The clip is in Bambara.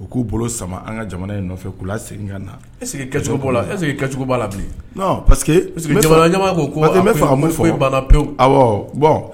U k'u bolo sama an ka jamana in nɔfɛ k'' segin na ecogo lacogo la bi que ko bɛ m fɔ e' la pewu